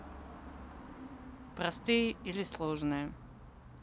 простые или сложные